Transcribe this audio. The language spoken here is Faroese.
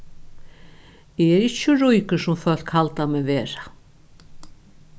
eg eri ikki so ríkur sum fólk halda meg vera